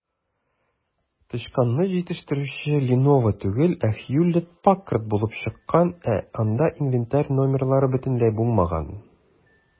Тычканны җитештерүче "Леново" түгел, ә "Хьюлетт-Паккард" булып чыккан, ә анда инвентарь номерлары бөтенләй булмаган.